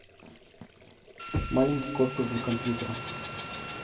маленький корпус для компьютера